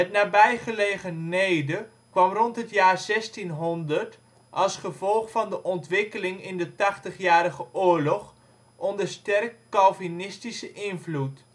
nabijgelegen Neede kwam rond het jaar 1600 als gevolg van de ontwikkelingen in de Tachtigjarige Oorlog onder sterk calvinistische invloed